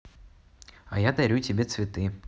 а я дарю тебе цветы